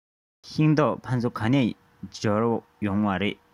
ཤིང ཏོག ཕ ཚོ ག ནས དབོར ཡོང བ རེད